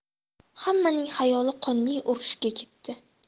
hammaning xayoli qonli urushga ketdi